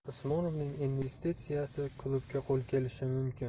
usmonovning investitsiyasi klubga qo'l kelishi mumkin